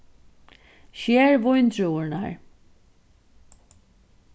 sker víndrúvurnar